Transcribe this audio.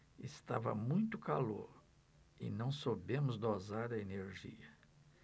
estava muito calor e não soubemos dosar a energia